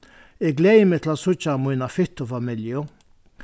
eg gleði meg til at síggja mína fittu familju